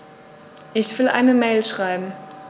Ich will eine Mail schreiben.